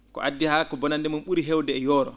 ko addi haa ko bonnande mum ?uri heewde e hooro